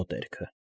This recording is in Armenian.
Մոտերքը։